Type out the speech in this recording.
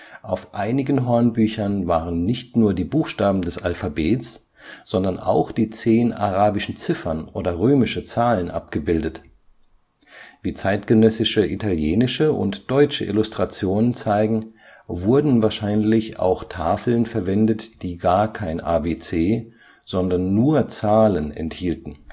Auf einigen Hornbüchern waren nicht nur die Buchstaben des Alphabets, sondern auch die zehn arabischen Ziffern oder römische Zahlen abgebildet. Wie zeitgenössische italienische und deutsche Illustrationen zeigen, wurden wahrscheinlich auch Tafeln verwendet, die gar kein ABC, sondern nur Zahlen enthielten